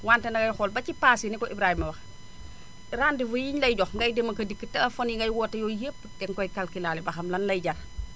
wante dangay xool ba ci paas yi ni ko Ibrahima waxee rendez vous yi ñu lay jox ngay dem ak a dikk téléphone yi ngay woote yooyu yëpp danga koy calculé waale ba xam lan lay jar